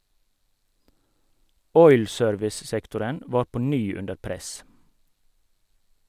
Oil service-sektoren var på ny under press.